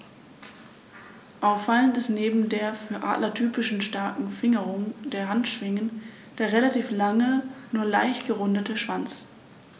Auffallend ist neben der für Adler typischen starken Fingerung der Handschwingen der relativ lange, nur leicht gerundete Schwanz.